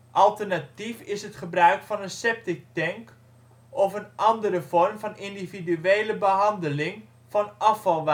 Alternatief is het gebruik van een septic tank of een andere vorm van individuele behandeling van